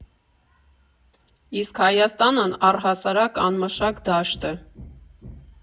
Իսկ Հայաստանն առհասարակ անմշակ դաշտ է.